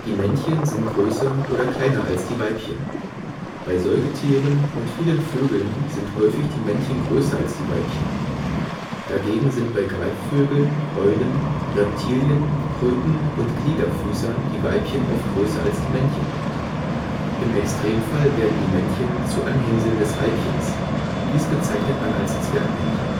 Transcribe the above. Männchen sind größer oder kleiner als die Weibchen. Bei Säugetieren und vielen Vögeln sind häufig die Männchen größer als die Weibchen. Dagegen sind bei Greifvögeln, Eulen, Reptilien, Kröten und Gliederfüßern die Weibchen oft größer als die Männchen. Im Extremfall werden die Männchen zu Anhängseln des Weibchens, dies bezeichnet man als Zwergmännchen